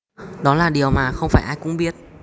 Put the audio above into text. đó là điều mà không phải ai cũng biết